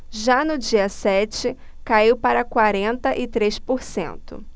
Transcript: já no dia sete caiu para quarenta e três por cento